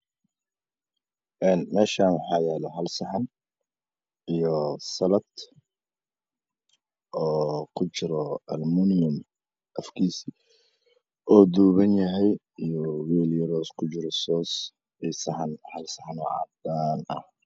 Een meshan waxayalo halsaxano iyo salad Almuniyomkujira odubanyahay iyo welyar okujira sos iyo saxan cadaan ah